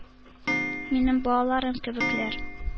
Минем балаларым кебекләр.